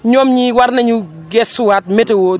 ñoom ñii war nañu gesuwaat météo